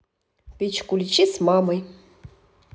печь куличи с мамой